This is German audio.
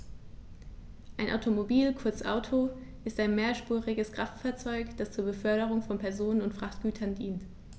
Ein Automobil, kurz Auto, ist ein mehrspuriges Kraftfahrzeug, das zur Beförderung von Personen und Frachtgütern dient.